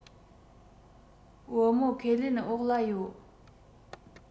བུ མོ ཁས ལེན འོག ལ ཡོད